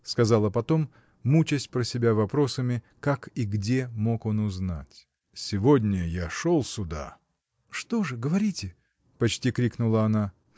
— сказала потом, мучась про себя вопросами: как и где мог он узнать? — Сегодня я шел сюда. — Что же, говорите! — почти крикнула она.